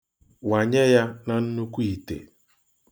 Wanye ya na nnukwu ite.